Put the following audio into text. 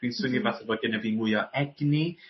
dwi'n swnio matho bod gynnyf fi mwy o egni